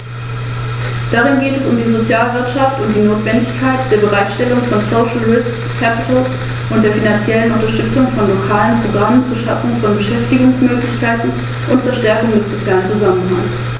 Außerdem belegen Kontrollen in belgischen, finnischen wie auch in japanischen Häfen, dass 50 % der Container mit zum Teil gefährlicher Ladung nicht ordnungsgemäß angeliefert werden.